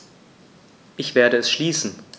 Ich werde es schließen.